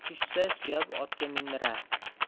tushsa suyab otga mindirar